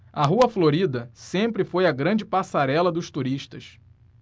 a rua florida sempre foi a grande passarela dos turistas